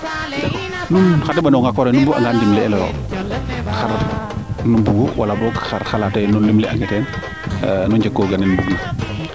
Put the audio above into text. nuun xa teɓanong xa kooraxe nu mbung anga ndimle eloyo xar nu ndamu wala xar xalatoyo nu ndimle anga teen nu njeg koga neen njeng na